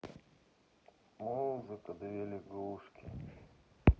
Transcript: музыка две лягушки